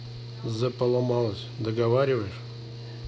the поломалось договариваешь